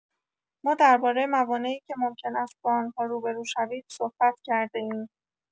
ما درباره موانعی که ممکن است با آن‌ها روبه‌رو شوید صحبت کرده‌ایم.